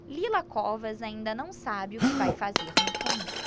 lila covas ainda não sabe o que vai fazer no fundo